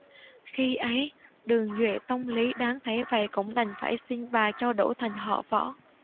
khi ấy đường duệ tông lý đán thấy vậy cũng đành phải xin bà cho đổi thành họ võ